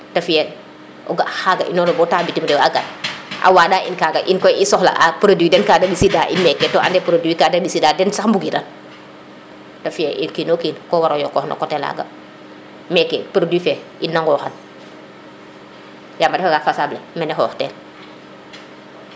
te fiye o ga oxa inoor na bo ta bitim rew a gar a wabda in kaga in koy i soxla a produit den ka de mbisi da in meke to ande produit ka de mbisi da den den sax mbugiran te fiye o kino kin ko waro yoqox no coté laga meke produit fe ina ŋoxan yam a refa nga fasaɓ le mane xoox tel